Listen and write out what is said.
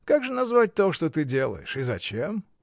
— Как же назвать то, что ты делаешь, — и зачем?